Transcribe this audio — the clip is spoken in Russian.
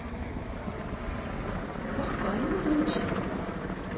похвально звучит